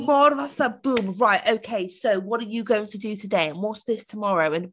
Mor fatha boom "right ok so what are you going to do today? And what's this tomorrow?" And...